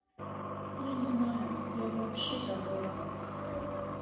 я не знаю я вообще забыла